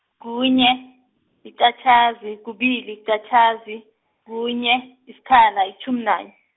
kunye, liqatjhazi, kubili, liqatjhazi, kunye, yisikhala, yitjhumi nanye.